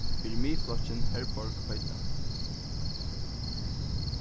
fyri miðflokkin herborg hoydal